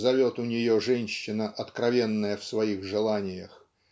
зовет у нее женщина, откровенная в своих желаниях